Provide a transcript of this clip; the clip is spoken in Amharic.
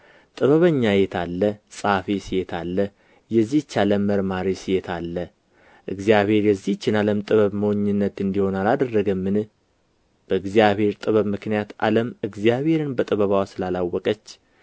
ጥበበኛ የት አለ ጻፊስ የት አለ የዚች ዓለም መርማሪስ የት አለ እግዚአብሔር የዚችን ዓለም ጥበብ ሞኝነት እንዲሆን አላደረገምን በእግዚአብሔር ጥበብ ምክንያት ዓለም እግዚአብሔርን በጥበብዋ ስላላወቀች